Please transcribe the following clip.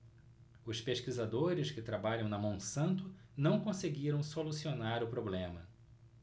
os pesquisadores que trabalham na monsanto não conseguiram solucionar o problema